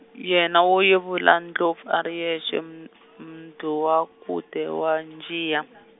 yena wo yevula ndlopfu a ri yexe m- Mdumakude wa njiya.